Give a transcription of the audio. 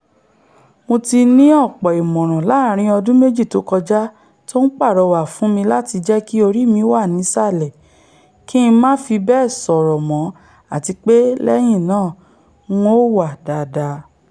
Mo ti ní ọpọ ìmọràn láàrin ọdún méjì tókọjá tó ńpàrọwà fún mi láti jẹ́kí orí mi wà nísàlẹ̀, kí ńmá fí bẹ́ẹ̀ sọ̀rọ̀ mọ́ àtipé lẹ́yìn náà N ó ''wà dáadáa.''